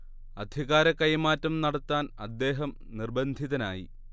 അധികാര കൈമാറ്റം നടത്താൻ അദ്ദേഹം നിർബന്ധിതനായി